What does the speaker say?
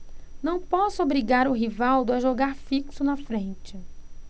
não posso obrigar o rivaldo a jogar fixo na frente